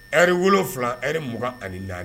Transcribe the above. Ri wolowula ri m ani naani